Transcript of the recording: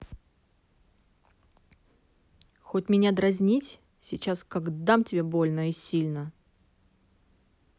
хоть меня дразнить сейчас как дам тебе больно и сильно